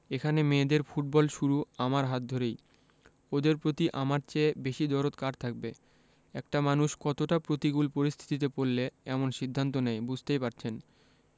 এখানে মেয়েদের ফুটবল শুরু আমার হাত ধরেই ওদের প্রতি আমার চেয়ে বেশি দরদ কার থাকবে একটা মানুষ কতটা প্রতিকূল পরিস্থিতিতে পড়লে এমন সিদ্ধান্ত নেয় বুঝতেই পারছেন